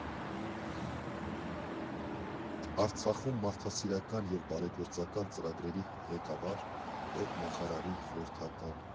Արցախում մարդասիրական և բարեգործական ծրագրերի ղեկավար, Պետնախարարի խորհրդական։